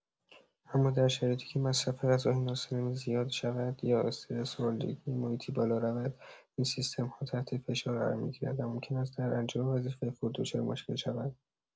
اما در شرایطی که مصرف غذاهای ناسالم زیاد شود یا استرس و آلودگی محیطی بالا رود، این سیستم‌ها تحت فشار قرار می‌گیرند و ممکن است در انجام وظیفه خود دچار مشکل شوند.